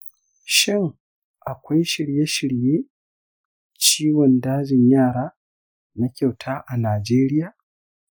shin akwai shirye shirye ciwon dajin yara na kyauta a najeriya?